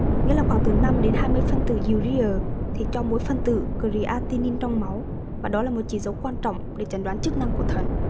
nghĩa là khoảng từ đến phân tử urea cho mỗi phân tử creatinine trong máu và đó là một chỉ dấu quan trọng để chẩn đoán chức năng của thận